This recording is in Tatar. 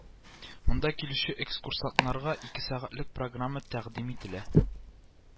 Монда килүче экскурсантларга ике сәгатьлек программа тәкъдим ителә